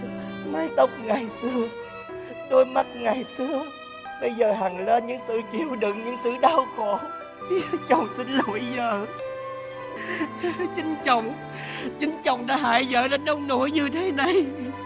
mái tóc ngày xưa đôi mắt ngày xưa bây giờ hằn lên những sự chịu đựng những sự đau khổ chồng xin lỗi vợ chính chồng chính chồng đã hại vợ ra nông nỗi như thế này